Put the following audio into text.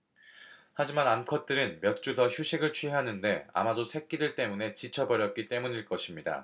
하지만 암컷들은 몇 주 더 휴식을 취하는데 아마도 새끼들 때문에 지쳐 버렸기 때문일 것입니다